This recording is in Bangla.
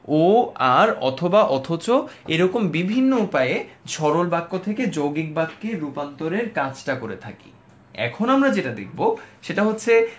ও আর অথবা অথচ এরকম বিভিন্ন উপায়ে সরল বাক্য থেকে যৌগিক বাক্যে রূপান্তর এর কাজটা করে থাকি এখন আমরা যেটা দেখব সেটা হচ্ছে